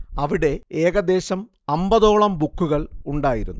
അവിടെ ഏകദേശം അമ്പതോളം ബുക്കുകൾ ഉണ്ടായിരുന്നു